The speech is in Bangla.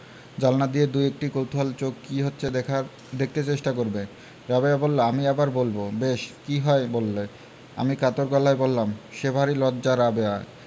জানালা দিয়ে দুএকটি কৌতুহলী চোখ কি হচ্ছে দেখতে চেষ্টা করবে রাবেয়া বললো আমি আবার বলবো বেশ কি হয় বললে আমি কাতর গলায় বললাম সে ভারী লজ্জা রাবেয়া